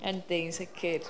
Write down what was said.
Yndi'n sicr.